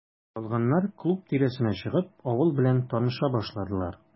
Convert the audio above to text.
Калганнар, клуб тирәсенә чыгып, авыл белән таныша башладылар.